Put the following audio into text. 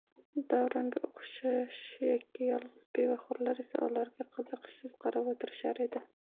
davronga o'xshash yakka yolg'iz pivoxo'rlar esa ularga qiziqishsiz qarab o'tirishar edi